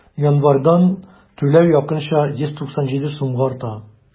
Январьдан түләү якынча 197 сумга арта.